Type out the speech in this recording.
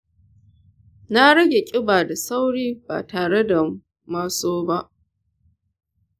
na rage ƙiba da sauri ba tare da maso ba